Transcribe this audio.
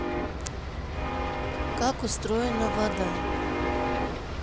как устроена вода